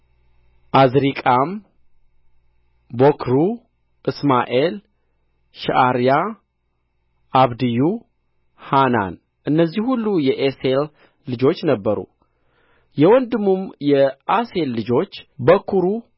ዓዝሪቃም ቦክሩ እስማኤል ሽዓርያ አብድዩ ሐናን እነዚህ ሁሉ የኤሴል ልጆች ነበሩ የወንድሙም የአሴል ልጆች በኵሩ